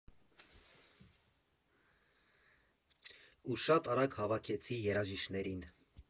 Ու շատ արագ հավաքեցի երաժիշտներին։